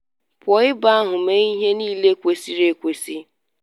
Pụọ ebe ahụ mee ihe niile kwesịrị ekwesị.